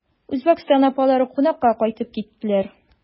Үзбәкстаннан апалары кунакка кайтып киттеләр.